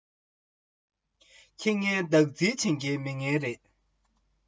དགྲ མགོ འདུལ མཁན གཉེན མགོ སྐྱོང མཁན དགོས